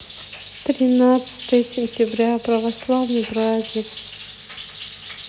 тринадцатое сентября православный праздник